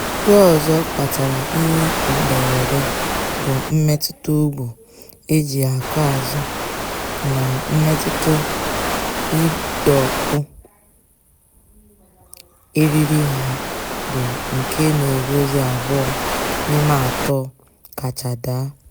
ihe ọzọ kpatara ihe mberede bụ mmetuta ụgbọ eji akọazụ na mmetụta idọkpu eriri ha bụ nke na-egosi abụọ n'ime atọ kacha daa.